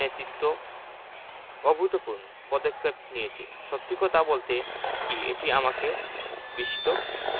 নেতৃত্ব অভূতপূর্ণ পদক্ষেপ নিয়েছে সত্যি কথা বলতে কি এটা আমাকে বিস্মিত